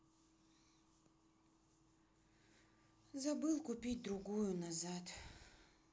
забыл купить другую назад